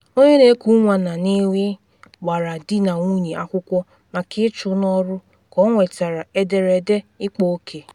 Onye na eku nwa na NY gbara di na nwunye akwụkwọ maka ịchụ n’ọrụ ka ọ nwetara ederede “ịkpa oke”